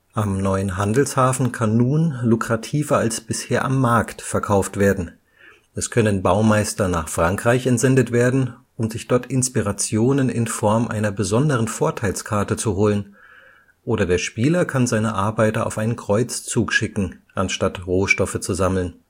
Am neuen Handelshafen kann nun lukrativer als bisher am Markt verkauft werden, es können Baumeister nach Frankreich entsendet werden, um sich dort Inspirationen in Form einer besonderen Vorteilskarte zu holen, oder der Spieler kann seine Arbeiter auf einen Kreuzzug schicken, anstatt Rohstoffe zu sammeln